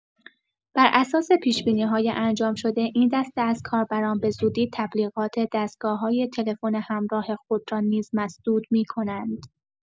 بر اساس پیش بینی‌های انجام شده این دسته از کاربران به‌زودی تبلیغات دستگاه‌های تلفن همراه خود را نیز مسدود می‌کنند.